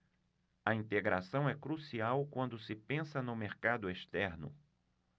a integração é crucial quando se pensa no mercado externo